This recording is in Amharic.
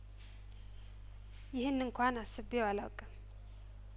ይህን እንኳን አስቤው አላውቅም